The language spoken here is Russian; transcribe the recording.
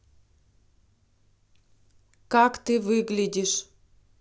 как ты выглядишь